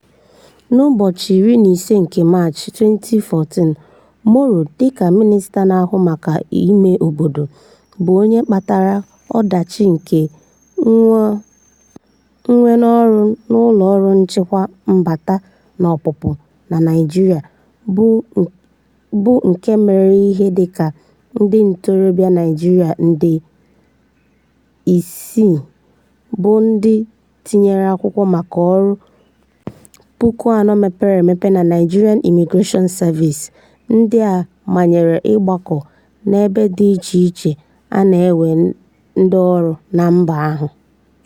N'ụbọchị 15 nke Maachị, 2014, Moro dịka mịnịsta na-ahụ maka ime obodo, bụ onye kpatara ọdachi nke Mwenọrụ n'Ụlọọrụ Nchịkwa Mbata na Ọpụpụ na Naịjirịa bụ nke mere ihe dị ka ndị ntorobịa Naịjirịa nde 6 bụ ndị tinyere akwụkwọ maka ọrụ 4,000 mepere emepe na Nigerian Immigration Service ndị a manyere ịgbakọ n'ebe dị iche iche a na-ewe ndị ọrụ na mba ahụ.